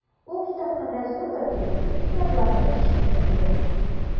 Ул китапханә зур да түгел, китаплар да җитешми, билгеле.